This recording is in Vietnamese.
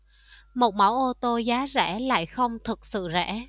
một mẫu ô tô giá rẻ lại không thực sự rẻ